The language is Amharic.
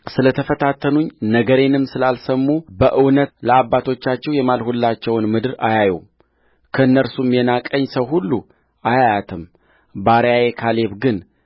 ስለ ተፈታተኑኝነገሬንም ስላልሰሙ በእውነት ለአባቶቻቸው የማልሁላቸውን ምድር አያዩም ከእነርሱም የናቀኝ ሰው ሁሉ አያያትምባሪያዬ ካሌብ ግን